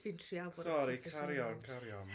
Fi'n treial bod yn ... Sori carry on, carry on.